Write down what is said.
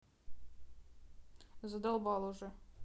задолбал уже